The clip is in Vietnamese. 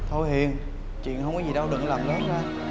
thôi hiền chuyện không có gì đâu đừng có làm lớn lên